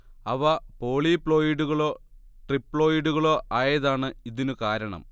അവ പോളിപ്ലോയിഡുകളോ ട്രിപ്ലോയിടുകളോ ആയതാണ് ഇതിനു കാരണം